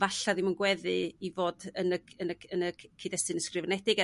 'falla' ddim yn gweddu i fod yn yn yn y cyd-destun ysgrifenedig er